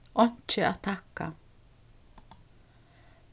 einki at takka